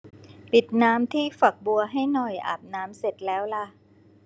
ปิดน้ำที่ฝักบัวให้หน่อยอาบน้ำเสร็จแล้วล่ะ